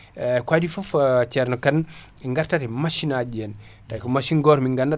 ko adi foof cerno KANE en gartat e machine naji ɗi henna tawi ko massiŋ goto min ganda